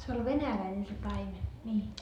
se oli venäläinen se paimen niin